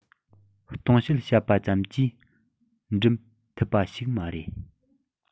སྟོང གཏམ བཤད པ ཙམ གྱིས འགྲུབ ཐུབ པ ཞིག མ རེད